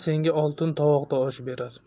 senga oltin tovoqda osh berar